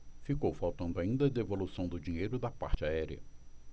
ficou faltando ainda a devolução do dinheiro da parte aérea